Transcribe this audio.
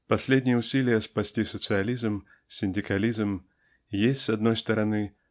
Последнее усилие спасти социализм -- синдикализм -- есть с одной стороны